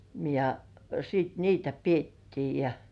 ja sitten niitä pidettiin ja